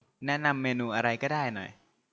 แนะนำเมนูอะไรก็ได้หน่อย